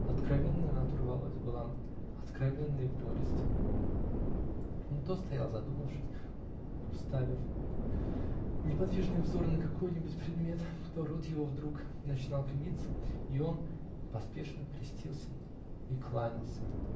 Откровенная натура Володи была откровенна и в горести: он то стоял задумавшись, уставив неподвижные взоры на какой-нибудь предмет, то рот его вдруг начинал кривиться, и он поспешно крестился и кланялся.